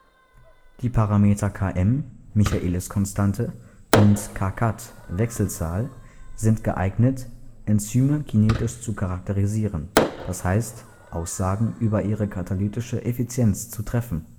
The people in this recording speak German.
Die Parameter Km (Michaeliskonstante) und kcat (Wechselzahl) sind geeignet, Enzyme kinetisch zu charakterisieren, d. h. Aussagen über ihre katalytische Effizienz zu treffen